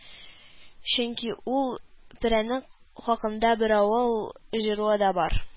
Чөнки ул перәннек хакында бер авыл җыруы да бар